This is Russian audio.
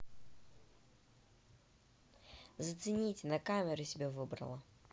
зацените на камеру себе выбрала